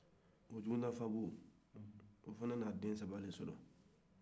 o jugunanfabu fana ye den saba de sɔrɔ